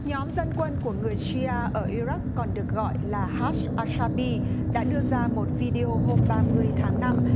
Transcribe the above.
nhóm dân quân của người si a ở i rắc còn được gọi là hát a sa bi đã đưa ra một vi đê ô hôm ba mươi tháng năm